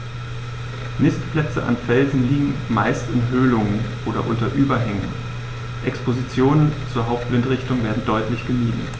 Nistplätze an Felsen liegen meist in Höhlungen oder unter Überhängen, Expositionen zur Hauptwindrichtung werden deutlich gemieden.